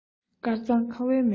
དཀར གཙང ཁ བའི མེ ཏོག